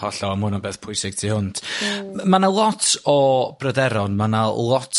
Hollol ma' hwna'n beth pwysig tu hwnt ma' 'na lot o bryderon ma' 'na lot